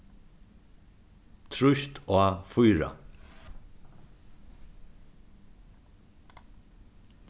trýst á fýra